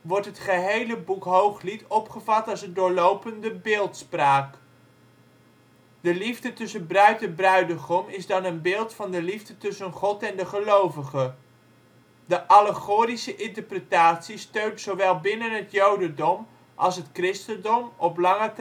wordt het gehele boek Hooglied opgevat als een doorlopende beeldspraak. De liefde tussen bruid en bruidegom is dan een beeld van de liefde tussen God en de gelovige. De allegorische interpretatie steunt zowel binnen het jodendom als het christendom op lange